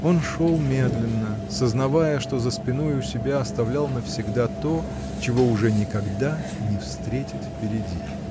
Он шел медленно, сознавая, что за спиной у себя оставлял навсегда то, чего уже никогда не встретит впереди.